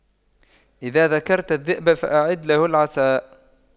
إذا ذكرت الذئب فأعد له العصا